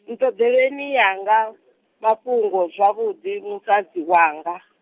ntoteleni yanga, mafhungo zwavhuḓi musadzi wanga.